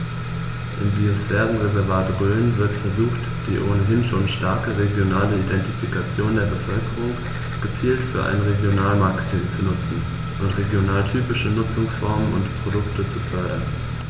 Im Biosphärenreservat Rhön wird versucht, die ohnehin schon starke regionale Identifikation der Bevölkerung gezielt für ein Regionalmarketing zu nutzen und regionaltypische Nutzungsformen und Produkte zu fördern.